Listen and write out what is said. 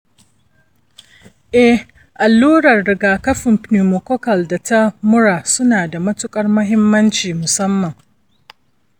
eh, allurar rigakafin pneumococcal da ta mura suna da matuƙar muhimmanci musamman.